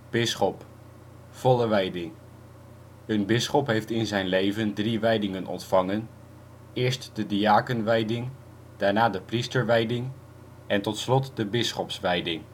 Bisschop (volle wijding): een bisschop heeft in zijn leven drie wijdingen ontvangen: eerst de diakenwijding daarna de priesterwijding en tot slot de bisschopswijding